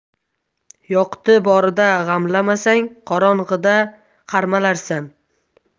yoqti borida g'amlamasang qorong'ida qarmalarsan